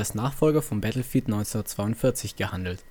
Nachfolger von Battlefield 1942 gehandelt